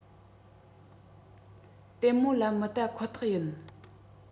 ལྟན མོ ལ མི ལྟ ཁོ ཐག ཡིན